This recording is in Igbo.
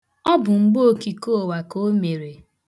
Ọ bụ mgbe okike ụwa ka o mere.